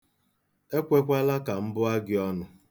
Ekwekwala ka m bụọ gị ọnụ.